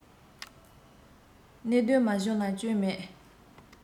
གནད དོན མ བྱུང ན སྐྱོན མེད